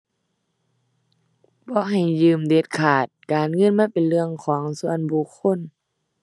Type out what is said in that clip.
บ่ให้ยืมเด็ดขาด การเงินมันเป็นเรื่องของส่วนบุคคล